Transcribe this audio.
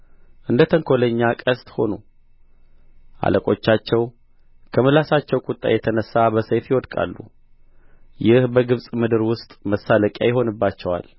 እንደ ተንኰለኛ ቀስት ሆኑ አለቆቻቸው ከምላሳቸው ቍጣ የተነሣ በሰይፍ ይወድቃሉ ይህ በግብጽ ምድር ውስጥ መሳለቂያ ይሆንባቸዋል